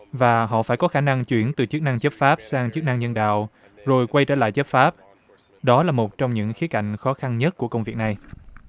và họ phải có khả năng chuyển từ chức năng chấp pháp sang chức năng nhân đạo rồi quay trở lại chấp pháp đó là một trong những khía cạnh khó khăn nhất của công việc này